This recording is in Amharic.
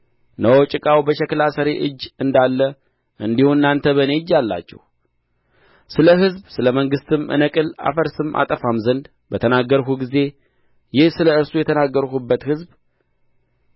እነሆ ጭቃው በሸክላ ሠሪ እጅ እንዳለ እንዲሁ እናንተ በእኔ እንጅ አላችሁ ስለ ሕዝብ ስለ መንግሥትም እነቅል አፈርስም አጠፋም ዘንድ በተናገርሁ ጊዜ ይህ ስለ እርሱ የተናገርሁበት ሕዝብ